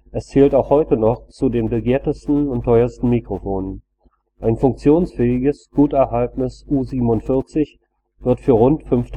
Es zählt auch heute noch zu den begehrtesten und teuersten Mikrofonen: Ein funktionsfähiges, gut erhaltenes U47 wird für rund 5.000